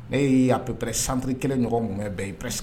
Ne y'i apre sanpri kelenɲɔgɔn mun bɛɛ ye'ips